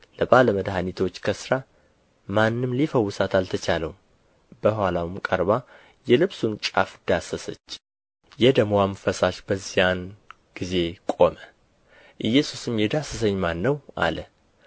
ለባለመድኃኒቶች ከስራ ማንም ሊፈውሳት አልተቻለውም በኋላውም ቀርባ የልብሱን ጫፍ ዳሰሰች የደምዋም ፈሳሽ በዚያን ጊዜ ቆመ ኢየሱስም የዳሰሰኝ ማን ነው አለ